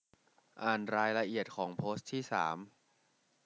อ่านรายละเอียดของโพสต์ที่สาม